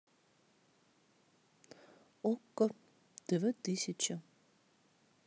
окко тв тысяча